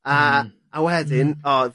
A a wedyn a wedyn o...